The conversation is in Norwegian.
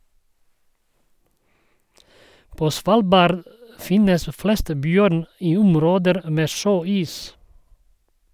På Svalbard finnes flest bjørn i områder med sjøis.